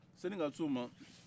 sani k'an se o ma